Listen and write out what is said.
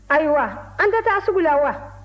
ayiwa an tɛ taa sugu la wa